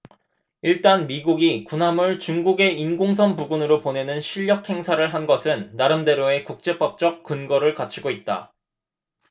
일단 미국이 군함을 중국의 인공섬 부근으로 보내는 실력행사를 한 것은 나름대로의 국제법적 근거를 갖추고 있다